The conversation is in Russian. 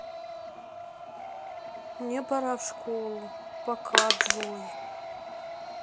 мне пора в школу пока джой